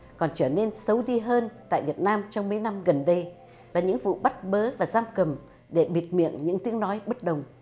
còn trở nên xấu đi hơn tại việt nam trong mấy năm gần đây là những vụ bắt bớ và giam cầm để bịt miệng những tiếng nói bất đồng